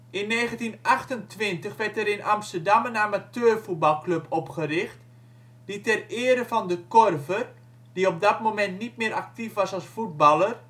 In 1928 werd er in Amsterdam een amateurvoetbalclub opgericht, die ter ere van De Korver - die op dat moment niet meer actief was als voetballer